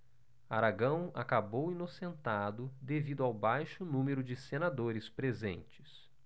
aragão acabou inocentado devido ao baixo número de senadores presentes